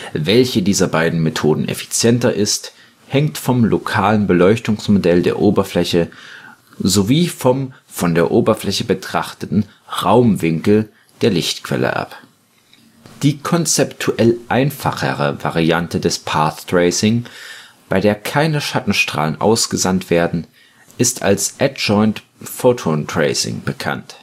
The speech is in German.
Welche dieser beiden Methoden effizienter ist, hängt vom lokalen Beleuchtungsmodell der Oberfläche sowie vom von der Oberfläche betrachteten Raumwinkel der Lichtquelle ab. Die konzeptuell einfachere Variante des Path Tracing, bei der keine Schattenstrahlen ausgesandt werden, ist als Adjoint Photon Tracing bekannt